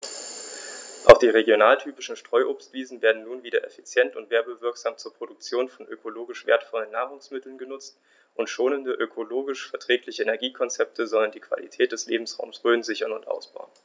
Auch die regionaltypischen Streuobstwiesen werden nun wieder effizient und werbewirksam zur Produktion von ökologisch wertvollen Nahrungsmitteln genutzt, und schonende, ökologisch verträgliche Energiekonzepte sollen die Qualität des Lebensraumes Rhön sichern und ausbauen.